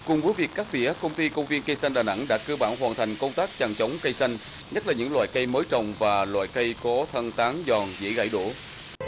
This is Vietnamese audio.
cùng với việc cắt tỉa công ty công viên cây xanh đà nẵng đã cơ bản hoàn thành công tác chằng chống cây xanh nhất là những loài cây mới trồng và loài cây có thân tán giòn dễ gãy đổ